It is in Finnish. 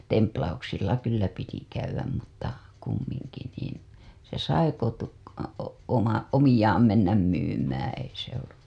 templauksilla kyllä piti käydä mutta kumminkin niin se sai - oma omiaan mennä myymään ei se ollut